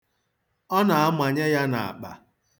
Ọ na-amanye ya n'akpa.